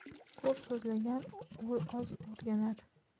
ko'p so'zlagan oz o'rganar